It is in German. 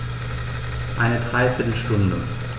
Eine dreiviertel Stunde